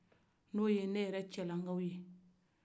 n'o ye ne yɛrɛ kɛlan kaw ye